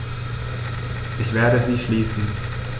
Ich werde sie schließen.